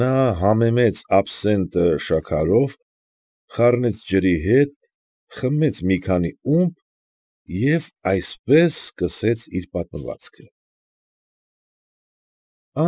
Նա համեմեց աբսենտը շաքարով, խառնեց ջրի հետ, խմեց մի քանի ումպ և այսպես սկսեց իր պատմվածքը. ֊